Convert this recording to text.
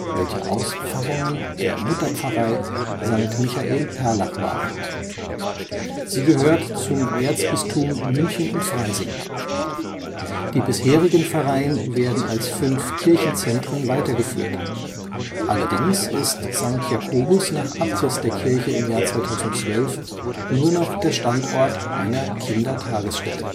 welche Auspfarrungen der Mutterpfarrei St. Michael Perlach waren. Sie gehört zum Erzbistum München und Freising. Die bisherigen Pfarreien werden als fünf Kirchenzentren weitergeführt; allerdings ist St. Jakobus nach Abriss der Kirche im Jahr 2012 nur noch der Standort einer Kindertagesstätte